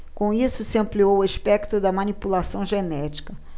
com isso se ampliou o espectro da manipulação genética